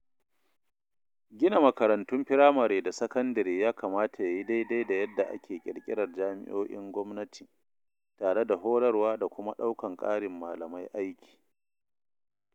Gina makarantun firamare da sakandare ya kamata ya yi daidai da yadda ake ƙirƙirar jami’o’in gwamnati, tare da horarwa da kuma ɗaukan ƙarin malamai aiki.